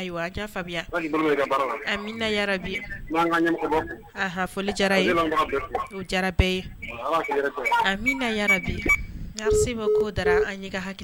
Jara ye a bi an se ma ko da an ɲɛ